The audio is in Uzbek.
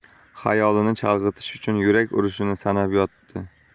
xayolini chalg'itish uchun yurak urishini sanab yotdi